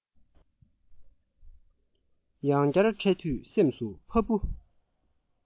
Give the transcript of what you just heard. ཡང བསྐྱར འཕྲད དུས སེམས སུ ཕ བུ